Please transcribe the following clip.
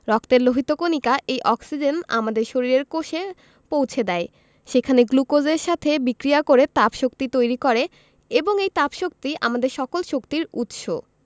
রক্তের লোহিত কণিকা এই অক্সিজেন আমাদের শরীরের কোষে পৌছে দেয় সেখানে গ্লুকোজের সাথে বিক্রিয়া করে তাপশক্তি তৈরি করে এবং এই তাপশক্তি আমাদের সকল শক্তির উৎস